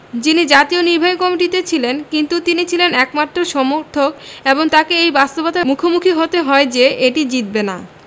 যিনি জাতীয় নির্বাহী কমিটিতে ছিলেন কিন্তু তিনি ছিলেন একমাত্র সমর্থক এবং তাঁকে এই বাস্তবতার মুখোমুখি হতে হয় যে এটি জিতবে না